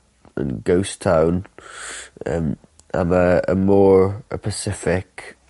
yn ghost town yym a ma' y mor y Pacific